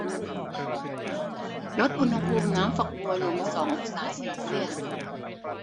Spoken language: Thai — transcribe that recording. ลดอุณหภูมิน้ำฝักบัวลงสององศาเซลเซียส